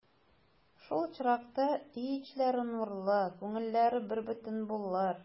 Шул очракта өй эчләре нурлы, күңелләре бербөтен булыр.